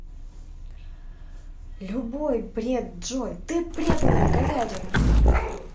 любой бред джой ты преданная говядина